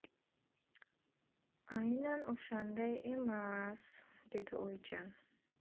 aynan o'shanday emas dedi o'ychan